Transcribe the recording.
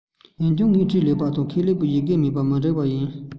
འོན ཀྱང ངས བྲིས ལེགས པ ཁས ལེན ཡི གེ མེད ན མི འགྲིག པ ཡིན